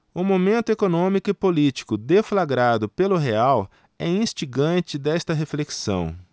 o momento econômico e político deflagrado pelo real é instigante desta reflexão